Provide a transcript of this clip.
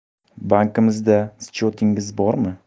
bankimizda schyotingiz bormi